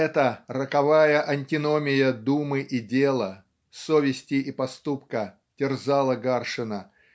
Эта роковая антиномия думы и дела совести и поступка терзала Гаршина